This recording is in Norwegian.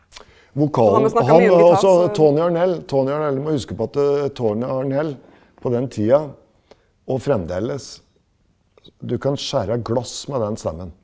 vokalen han altså Tony Harnell Tony Harnell du må huske på at Tony Harnell på den tida og fremdeles du kan skjære glass med den stemmen.